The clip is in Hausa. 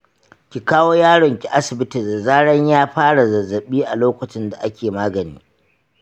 ki kawo yaron ki asibiti da zaran ya fara zazzaɓi a lokacin da ake magani.